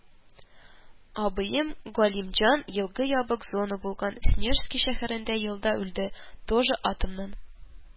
- абыем галимҗан, елгы, ябык зона булган снежински шәһәрендә елда үлде, тоже атомнан